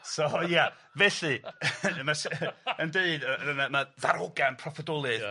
So ia felly ma' sy- yn deud yy yy ma' ddarogan proffedoliaeth. Ia.